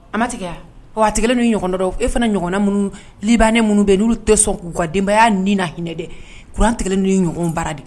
A ma tigɛ yan wa a tigi n'u ɲɔgɔn dɔw e fana ɲɔgɔnna minnu libban ne minnu bɛn' tɛ sɔn k'u ka denbayaya ni na hinɛ dɛ kurantigɛ n'u ɲɔgɔn baara de